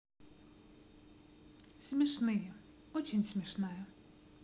смешные очень смешная